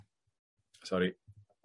Sori.